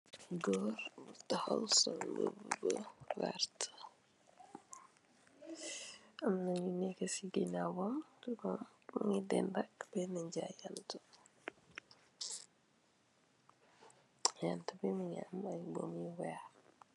Gorre bu takhaw sol mbubu bu vertue, amna nju nek cii ginawam mungy ndehnak benah njaayantu, njaayantu bii mungy am aiiy buuum yu wekh.